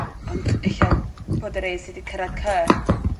Ond ella bod y rei sy 'di cyrradd Cy